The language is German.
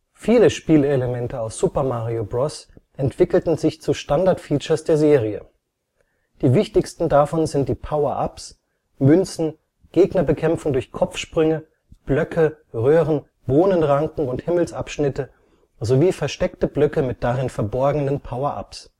Viele Spielelemente aus Super Mario Bros. entwickelten sich zu Standardfeatures der Serie. Die wichtigsten davon sind die Power-ups, Münzen, Gegnerbekämpfung durch Kopfsprünge, Blöcke, Röhren, Bohnenranken und Himmelsabschnitte sowie versteckte Blöcke mit darin verborgenen Power-ups